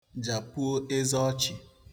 jàpuo eze ọchị̀